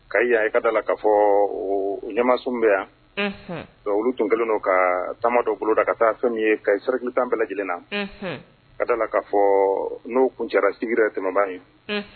Ka' i ka' la k'a fɔ ɲɛma sun bɛ yan olu tun kɛlen' ka taama dɔ boloda ka taa sɔn ye ka i sirariki tan bɛɛ lajɛlen na ka da k'a fɔ n'o kun cayara sigi tɛmɛba ye